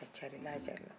a carinna a carinna